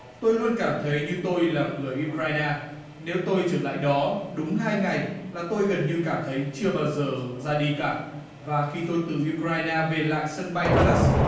tôi luôn cảm thấy như tôi là người u cờ rai na nếu tôi trở lại đó đúng hai ngày là tôi gần như cảm thấy chưa bao giờ ra đi cả và khi tôi từ u cờ rai na về lại sân bay đa lát